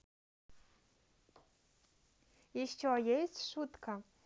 еще есть шутка